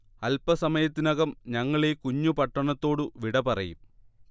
അൽപസമയത്തിനകം ഞങ്ങളീ കുഞ്ഞു പട്ടണത്തോടു വിട പറയും